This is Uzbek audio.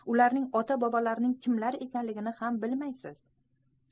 ota bobolarining kimlar ekanligini ham bilmaysan